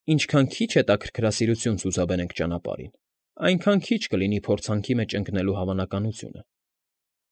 Ինչքան քիչ հետաքրքրասիրություն ցուցաբերենք ճանապարհին, այնքան քիչ կլինի փորձանքի մեջ ընկնելու հավանականությունը»։